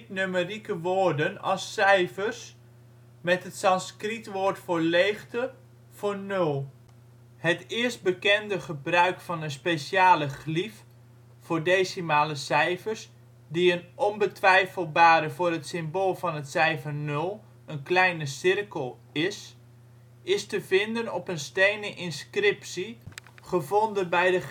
numerieke woorden als cijfers, met het Sanskriet woord voor leegte voor nul. Het eerst bekende gebruik van een speciale glief (teken) voor decimale cijfers die een onbetwijfelbare voor het symbool van het cijfer nul, een kleine cirkel, is, is te vinden op een stenen inscriptie gevonden bij